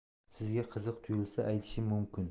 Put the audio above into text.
sizga qiziq tuyulsa aytishim mumkin